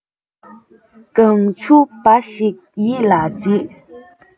གངས ཆུ འབའ ཞིག ཡིད ལ བྱེད